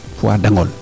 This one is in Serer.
poids Dangol